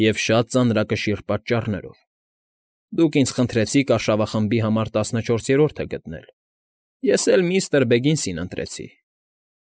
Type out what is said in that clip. Եվ շատ ծանրակշիռ պատճառներով։ Դուք ինձ խնդրեցիք արշավախմբի համար տասնչորսերորդը գտնել, ես էլ միստր Բեգինսին ընտրեցի։